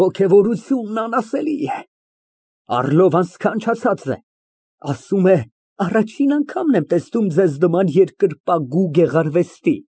Ոգևորությունն անասելի է։ Առլովան սքանչացած է, ասում է, առաջին անգամն եմ տեսնում ձեզ նման երկրպագու գեղարվեստի։